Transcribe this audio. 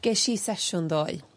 Gesh i sesiwn ddoe.